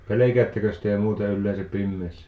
pelkäättekös te muuten yleensä pimeässä